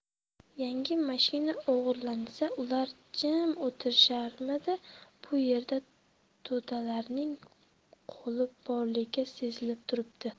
yangi mashina o'g'irlansa ular jim o'tirisharmidi bu yerda to'dalarning qo'li borligi sezilib turibdi